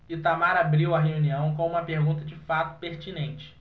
itamar abriu a reunião com uma pergunta de fato pertinente